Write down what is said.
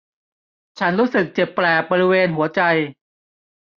ฉันรู้สึกเจ็บแปลบบริเวณหัวใจ